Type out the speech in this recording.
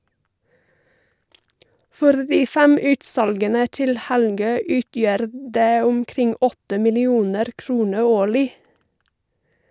For de fem utsalgene til Helgø utgjør det omkring 8 millioner kroner årlig.